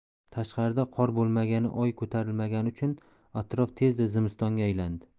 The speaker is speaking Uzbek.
tashqarida qor bo'lmagani oy ko'tarilmagani uchun atrof tezda zimistonga aylandi